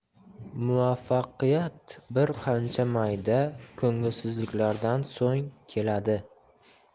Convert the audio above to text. muvaffaqiyat bir qancha mayda ko'ngilsizliklardan so'ng keladi